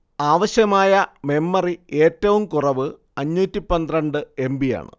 ആവശ്യമായ മെമ്മറി ഏറ്റവും കുറവ് അഞ്ഞൂറ്റി പന്ത്രണ്ട് എം ബി യാണ്